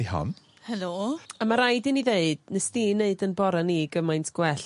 ...'di hon. Helo. A ma' raid i ni ddeud nes di neud 'yn bore ni gymaint gwell.